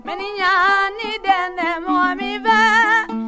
miniyanba ni den tɛ mɔgɔ min fɛ